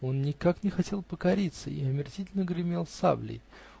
Он никак не хотел покориться и омерзительно гремел саблей.